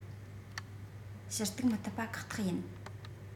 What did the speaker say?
ཞུ གཏུག མི ཐུབ པ ཁག ཐེག ཡིན